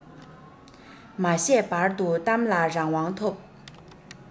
མ བཤད བར དུ གཏམ ལ རང དབང ཐོབ